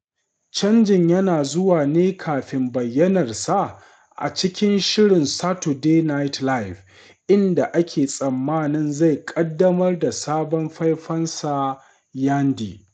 Canjin yana zuwa ne kafin bayyanarsa a cikin shirin Saturday Night Live, inda ake tsammanin zai ƙaddamar da sabon faifansa Yandhi.